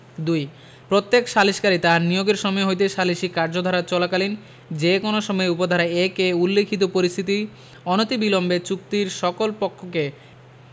২ প্রত্যেক সালিসকারী তাহার নিয়োগের সময় হইতে সালিসী কার্যধারা চলাকালীন যে কোন সময় উপ ধারা ১ এ উল্লেখিত পরিস্থিতি অনতিবিলম্বে চুক্তির সকল পক্ষকে